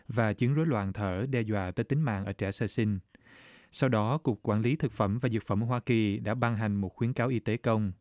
và chứng rối loạn thở đe dọa tới tính mạng trẻ sơ sinh sau đó cục quản lý thực phẩm và dược phẩm hoa kỳ đã ban hành một khuyến cáo y tế công